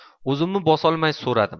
ozimmi bosolmay so'radim